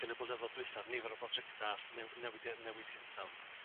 yn y blynyddodd d'wutha nifer o brojecta' newi- newid hinsawdd.